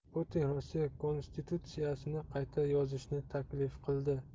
putin rossiya konstitutsiyasini qayta yozishni taklif qildi